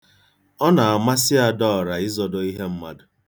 Ọ na-amasị Adaọra ịzọdo ihe mmadụ.